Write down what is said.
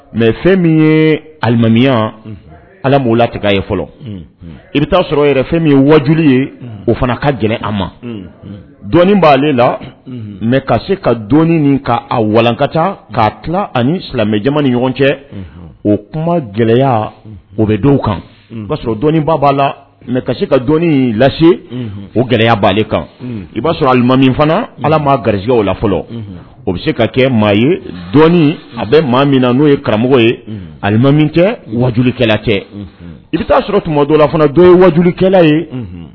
Mɛ fɛn min yelimamiya ala b'o la tigɛ ye fɔlɔ i bɛ' sɔrɔ ye wadu ye o fana ka gɛlɛya a ma b' la mɛ se ka ka a walanka ca'a tila ani silamɛmɛja ni ɲɔgɔn cɛ o kuma gɛlɛya o bɛ dɔw kan o b'a sɔrɔ dɔn b'a la mɛ se ka lase o gɛlɛya b' kan i b'a sɔrɔlimami fana ala maa gari o la fɔlɔ o bɛ se ka kɛ maa ye a bɛ maa min na n'o ye karamɔgɔ yelima kɛ wadukɛla kɛ i bɛ'a sɔrɔ tuma dɔ la fana dɔ ye wadukɛla ye